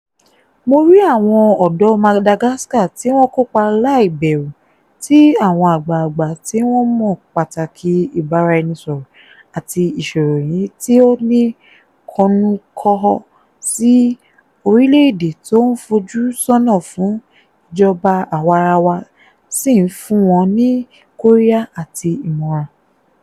Mo rí àwọn ọ̀dọ́ Madagascar tí wọ́n kópa láì bẹ̀rù, tí àwọn agbààgbà tí wọ́n mọ pátàkì ìbára-ẹni-sọ̀rọ̀ àti iṣèròyìn tí ò ní kọ́nu-kọ́họ sí orílẹ̀ èdè tó ń fojú sọ́nà fún ìjọba àwarawa sì ń fún wọn ní kóríyá àti ímòràn.